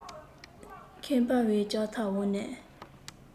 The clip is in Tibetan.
ཁེངས པའི ལྕགས ཐབ འོག ནས